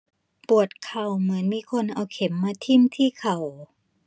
ปวดเข่าเหมือนมีคนเอาเข็มมาทิ่มที่เข่า